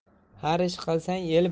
har ish qilsang